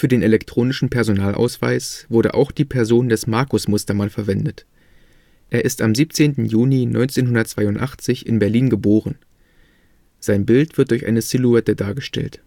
den elektronischen Personalausweis wurde auch die Person des Markus Mustermann verwendet. Er ist am 17. Juni 1982 in Berlin geboren. Sein Bild wird durch eine Silhouette dargestellt